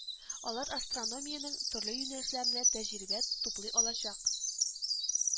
Алар астрономиянең төрле юнәлешләрендә тәҗрибә туплый алачак